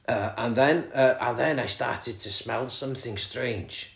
yy and then yy and then I started to smell something strange